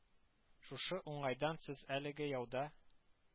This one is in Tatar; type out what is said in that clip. Шушы уңайдан сез әлеге яуда